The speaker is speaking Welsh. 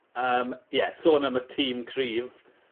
Yym ie sôn am y tîm cryf